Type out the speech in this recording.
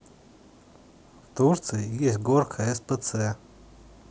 в турции есть горка spc